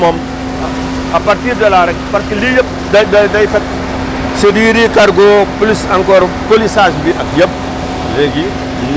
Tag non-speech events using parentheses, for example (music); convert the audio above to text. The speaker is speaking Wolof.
(noise) son bi moom à partir de là rek parce que lii yëpp day day * c' est du riz cargot plus encore poluchage bi ak yëpp (noise)